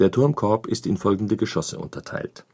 Turmkorb ist in folgende Geschosse unterteilt